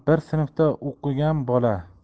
sinfda o'qigan bola